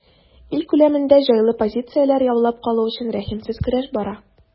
Ил күләмендә җайлы позицияләр яулап калу өчен рәхимсез көрәш бара.